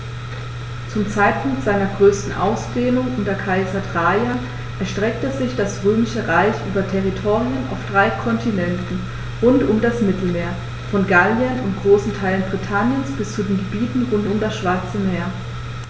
Zum Zeitpunkt seiner größten Ausdehnung unter Kaiser Trajan erstreckte sich das Römische Reich über Territorien auf drei Kontinenten rund um das Mittelmeer: Von Gallien und großen Teilen Britanniens bis zu den Gebieten rund um das Schwarze Meer.